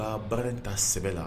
Ka baara in ta sɛbɛ la